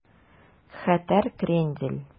Хәтәр крендель